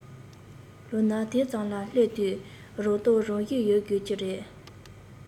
ལོ ན དེ ཙམ ལ སླེབས དུས རང རྟོགས རང བཞིན ཡོད དགོས ཀྱི རེད